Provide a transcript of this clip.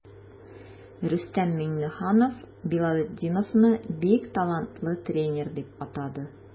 Рөстәм Миңнеханов Билалетдиновны бик талантлы тренер дип атады.